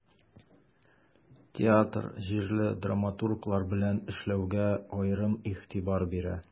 Театр җирле драматурглар белән эшләүгә аерым игътибар бирә.